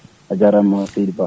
a jarama noon seydi Ba